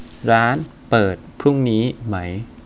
ร้านเปิดพรุ่งนี้ไหม